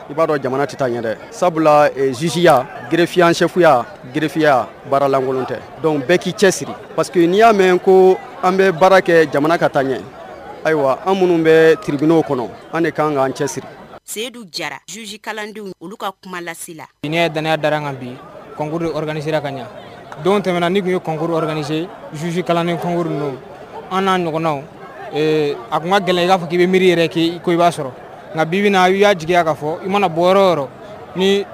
I b'a dɔn tɛ taa ɲɛ dɛ sabula zizsiya gfiya cɛkuya gfiya baaralankolon tɛ bɛɛ k' cɛ siri paseke que n'i y'a mɛn ko an bɛ baara kɛ jamana ka taa ɲɛ ayiwa an minnu bɛ tiriign' kɔnɔ an de ka kan ka anan cɛ siri seyidu jara zuzsikadenw olu ka kumalasi la hinɛinɛ danya da kan bimgorokinse ka ɲɛ don tɛmɛna ni tun yegoukalan nigokuru an n'a nɔgɔ a tun ka gɛlɛ y'a fɔ k' bɛ miiri yɛrɛ k'i i b'a sɔrɔ nka bi bɛna i y'aya ka fɔ i mana bɔ yɔrɔ yɔrɔ